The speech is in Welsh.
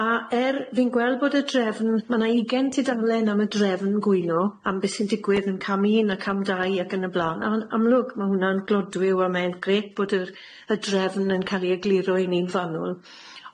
a er fi'n gweld bod y drefn ma' na ugen tudalen am y drefn gwylo am be' sy'n digwydd yn cam un ac am dau ac yn y bla'n a yn amlwg ma' hwnna'n glodwyw a ma' e'n grêt bod yr y drefn yn ca'l i egluro i ni'n fanwl,